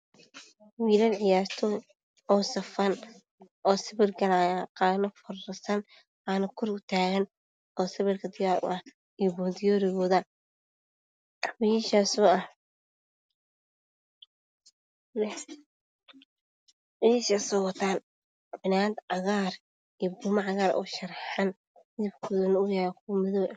Waa wiilal cayaartooy oo safan oo sawir galaayaan qaarna foorarsan qaarna way taagan. Waxay wataan fanaanad cagaar iyo buume cagaar oo sharaxan.